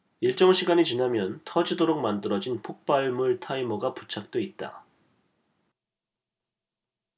일정 시간이 지나면 터지도록 만들어진 폭발물 타이머가 부착돼 있다